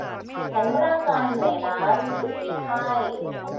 ฉันร่างกายเหนื่อยล้ารู้สึกมีไข้